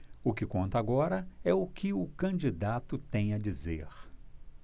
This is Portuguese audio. o que conta agora é o que o candidato tem a dizer